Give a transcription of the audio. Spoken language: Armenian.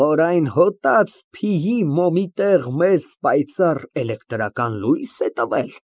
Որ այն հոտած փիյի մոմի տեղ մեզ պայծառ էլեկտրական լո՞ւյս է տվել։